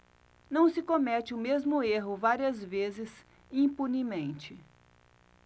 não se comete o mesmo erro várias vezes impunemente